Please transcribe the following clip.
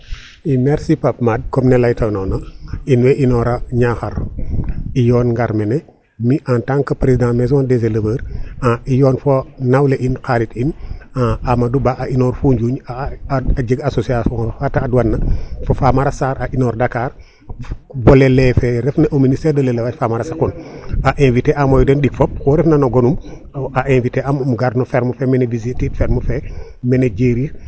I merci Pape Made comme ne laytanoona in wey inoora Niakhar i yoon ngar mene mi' en tant que président maison des éleveur yoon fo nawle in xarit in Amadou Ba a inoor Foundiougne a jeg association fa ta adwana fo Famara sarr a inoor Dakar volet fe refna au ministère de l' élevage Famara saqun a inviter aamooyo den ɗik fop oxu refna no gonum a inviter am um gar no ferme fe mene ɗeetiid ferme fe mene Djeri.